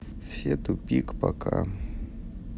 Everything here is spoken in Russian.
все тупик пока